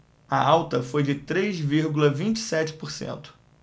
a alta foi de três vírgula vinte e sete por cento